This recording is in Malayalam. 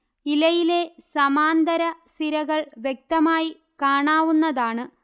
ഇലയിലെ സമാന്തര സിരകൾ വ്യക്തമായി കാണാവുന്നതാണ്